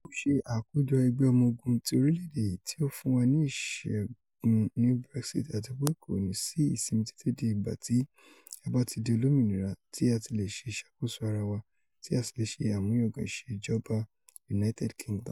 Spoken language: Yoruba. À ń ṣe àkójọ ẹgbẹ́ ọmọ ogun tí orílẹ̀-èdè yìí tí ó fún wa ní ìṣẹ́gun ní Brexit àti pé kò ní sí ìsimi títí di ìgbà tí a bá ti di olómìnira, tí a ti lè ṣe ìṣakóso ara wa, tí a sì lè sẹ àmúyangàn ìṣèjọba United Kingdom.'